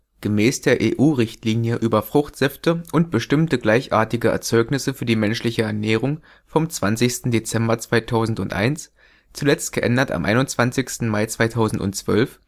Gemäß der EU-Richtlinie über Fruchtsäfte und bestimmte gleichartige Erzeugnisse für die menschliche Ernährung vom 20. Dezember 2001, zuletzt geändert am 21. Mai 2012